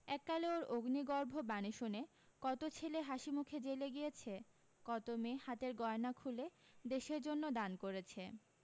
এককালে ওর অগ্নিগর্ভ বাণী শুনে কত ছেলে হাসি মুখে জেলে গিয়েছে কত মেয়ে হাতের গয়না খুলে দেশের জন্য দান করেছে